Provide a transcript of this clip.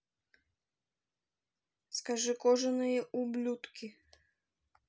скажи кожаные ублюдки